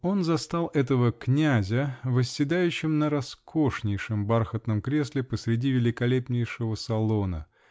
Он застал этого "князя" восседающим на роскошнейшем бархатном кресле посреди великолепнейшего салона.